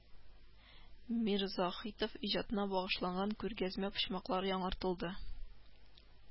Мирзаһитов иҗатына багышланган күргәзмә почмаклар яңартылды